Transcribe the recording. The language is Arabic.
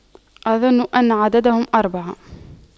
أظن أن عددهم أربعة